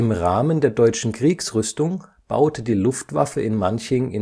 Rahmen der deutschen Kriegsrüstung baute die Luftwaffe in Manching